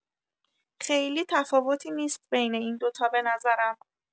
خیلی تفاوتی نیست بین این دو تا بنظرم